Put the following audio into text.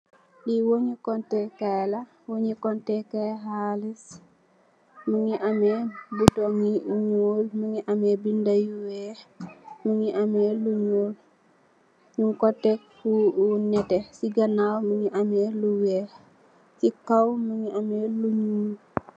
Li wornju conteh kaii la, wornju conteh kaii halis, mungy ameh button yu njull, mungy ameh binda yu wekh, mungy ameh lu njull, njung kor tek fu nehteh, cii ganaw mungy ameh lu wekh, cii kaw mungy ameh lu njull.